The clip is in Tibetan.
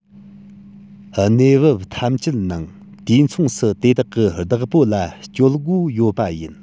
གནས བབ ཐམས ཅད ནང དུས མཚུངས སུ དེ དག གི བདག པོ ལ སྤྱོད སྒོ ཡོད པ ཡིན